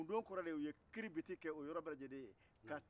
kundo kɔrɔ ye u ye kiribiti kɛ o yɔrɔ bɛɛ lajɛlen